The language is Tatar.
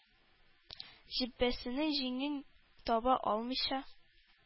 Җөббәсенең җиңен таба алмыйча,